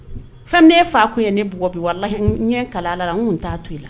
Fɛn min e fa ko ye ne bɔgɔ bɛ la ɲɛ kala a la n t taa to i la